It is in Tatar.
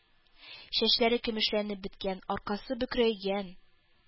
Чәчләре көмешләнеп беткән, аркасы бөкрәйгән,